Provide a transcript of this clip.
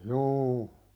juu